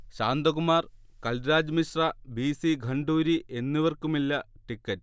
Shantakumar, Kalraj Mishra, B. C Khanduri എന്നിവർക്കുമില്ല ticket